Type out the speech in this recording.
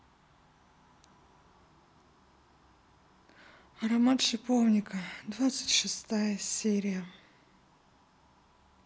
аромат шиповника двадцать шестая серия